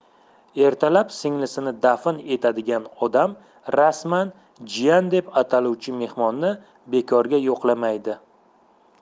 ertalab singlisini dafn etadigan odam rasman jiyan deb ataluvchi mehmonni bekorga yo'qlamaydi